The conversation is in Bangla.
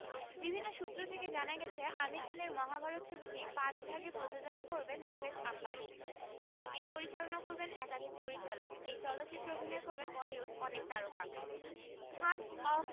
বিভিন্ন সূত্র থেকে জানা গেছে আমির খানের মহাভারত ছবিটি পাঁচ ভাগে প্রযোজনা করবেন মুকেশ আম্বানি ছবিটি পরিচালনা করবেন একাধিক পরিচালক এই চলচ্চিত্রে অভিনয় করবেন বলিউড অনেক তারকা থাগস অব